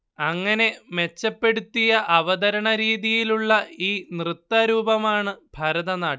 അങ്ങനെ മെച്ചപ്പെടുത്തിയ അവതരണരീതിയിലുള്ള ഈ നൃത്തരൂപമാണ് ഭരതനാട്യം